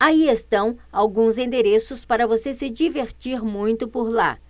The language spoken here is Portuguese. aí estão alguns endereços para você se divertir muito por lá